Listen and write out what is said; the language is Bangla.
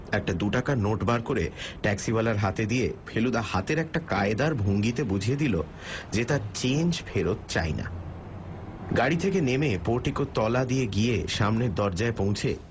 একটা দুটাকার নোট বার করে ট্যাক্সিওয়ালার হাতে দিয়ে ফেলুদা হাতের একটা কায়দার ভঙ্গিতে বুঝিয়ে দিল যে তার চেঞ্জ ফেরত চাই না গাড়ি থেকে নেমে পোর্টিকের তলা দিয়ে গিয়ে সামনের দরজায় পৌছে